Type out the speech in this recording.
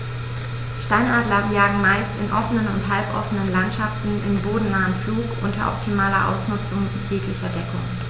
Steinadler jagen meist in offenen oder halboffenen Landschaften im bodennahen Flug unter optimaler Ausnutzung jeglicher Deckung.